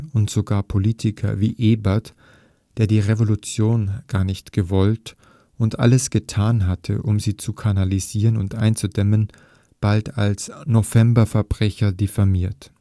und sogar Politiker wie Ebert – der die Revolution gar nicht gewollt und alles getan hatte, um sie zu kanalisieren und einzudämmen – bald als „ Novemberverbrecher “diffamiert